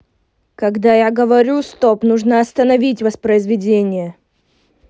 когда я говорю стоп нужно остановить воспроизведение